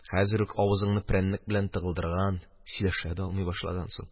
Хәзер үк авызыңны прәннек белән тыгылдырган, сөйләшә дә алмый башлагансың